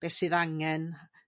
be' sydd angen